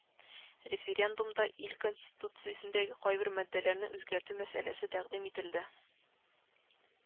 Референдумда ил конституциясендәге кайбер маддәләрне үзгәртү мәсьәләсе тәкъдим ителде